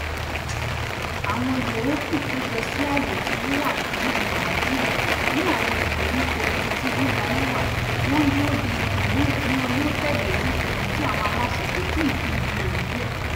Àwọn yòókù péjò sí àyè tí ó wà fún ìgbà díẹ̀ ní àwọn ìgbèríko ibi tí omíyalé wà, wọ́n ń dúró de ibòmíràn tí wọn yóò tèdó sí ṣùgbọ́n tí àwọn aláṣẹ kò tíì fi ìdí rẹ̀ múlẹ̀.